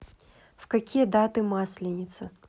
в какие даты масленница